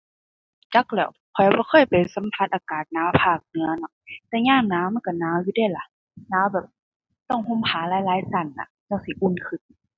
จักแหล้ว ข้อยบ่เคยไปสัมผัสอากาศหนาวภาคเหนือเนาะ แต่ยามหนาวมันก็หนาวอยู่เดะล่ะ หนาวแบบต้องห่มผ้าหลายหลายก็น่ะ จั่งสิอุ่นขึ้น